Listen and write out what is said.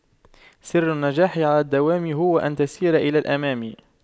سر النجاح على الدوام هو أن تسير إلى الأمام